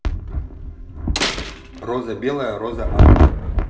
роза белая роза алая